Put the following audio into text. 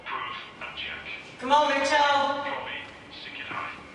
Proove and check. C'mon rachel. Profi, sicirhau.